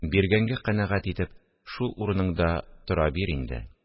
Биргәнгә канәгать итеп, шул урыныңда тора бир инде